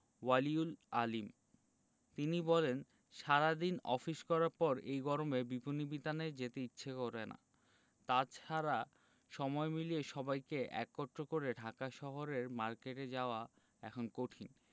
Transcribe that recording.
ওয়ালি উল আলীম তিনি বলেন সারা দিন অফিস করার পর এই গরমে বিপণিবিতানে যেতে ইচ্ছে করে না তা ছাড়া সময় মিলিয়ে সবাইকে একত্র করে ঢাকা শহরের মার্কেটে যাওয়া এখন কঠিন